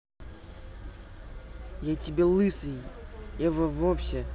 а тебе лысый я и вовсе